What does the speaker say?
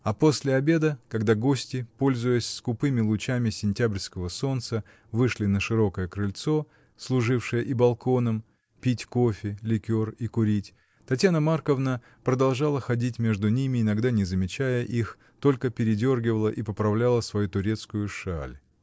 А после обеда, когда гости, пользуясь скупыми лучами сентябрьского солнца, вышли на широкое крыльцо, служившее и балконом, пить кофе, ликер и курить, Татьяна Марковна продолжала ходить между ними, иногда не замечая их, только передергивала и поправляла свою турецкую шаль.